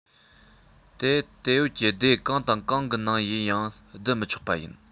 དེ ད ཡོད ཀྱི སྡེ གང དང གང གི ནང ཡང བསྡུ མི ཆོག པ ཡིན